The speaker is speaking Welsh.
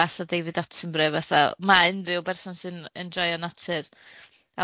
fath o David Attenborough fatha ma' unrhyw berson sy'n enjoio natur.